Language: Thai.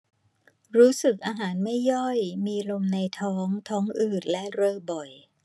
รู้สึกอาหารไม่ย่อยมีลมในท้องท้องอืดและเรอบ่อย